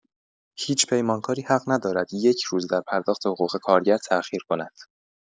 هیچ پیمانکاری حق ندارد یک روز در پرداخت حقوق کارگر تاخیر کند.